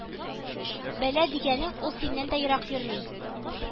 Бәла дигәнең ул синнән дә ерак йөрми